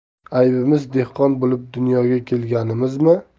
aybimiz dehqon bo'lib dunyoga kelganimizmi